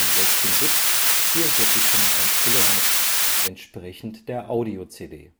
16-bit, 44,1 kHz – entsprechend der Audio-CD